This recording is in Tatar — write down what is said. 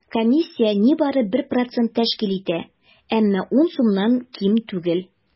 Комиссия нибары 1 процент тәшкил итә, әмма 10 сумнан ким түгел.